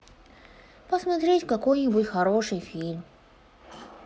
посмотреть какой нибудь хороший фильм